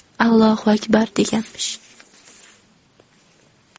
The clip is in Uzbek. ollohu akbar deganmish